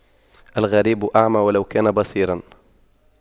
الغريب أعمى ولو كان بصيراً